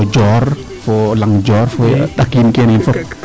manaam no joor fo laŋ joor fo ndakiin keene yiin